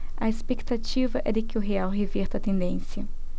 a expectativa é de que o real reverta a tendência